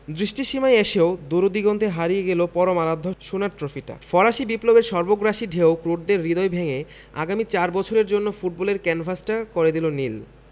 দৃষ্টিসীমায় এসেও দূরদিগন্তে হারিয়ে গেল পরম আরাধ্য সোনার ট্রফিটা ফরাসি বিপ্লবের সর্বগ্রাসী ঢেউ ক্রোটদের হৃদয় ভেঙে আগামী চার বছরের জন্য ফুটবলের ক্যানভাসটা করে দিল নীল